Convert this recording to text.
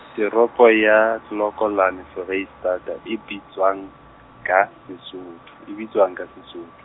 teropo ya Clocolan Foreisitata e bitswang ka Sesotho, e bitswang ka Sesoth-.